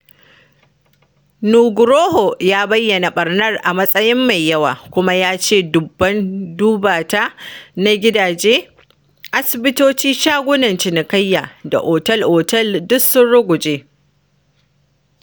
Nugroho ya bayyana ɓarnar a matsayin “mai yawa” kuma ya ce dubun-dubata na gidaje, asibitoci, shagunan cinikayya da otel-otel duk sun ruguje.